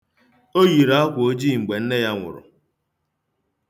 O yiri akwa ojii mgbe nne ya nwụrụ.